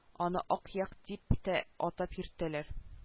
Аны ак як дип тә атап йөртәләр